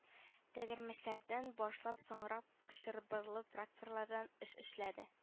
Тәгәрмәчледән башлап соңрак чылбырлы тракторлардан эш эшләде